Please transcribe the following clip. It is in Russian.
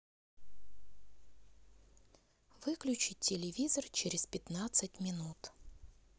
выключить телевизор через пятнадцать минут